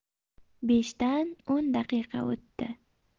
beshdan o'n daqiqa o'tdi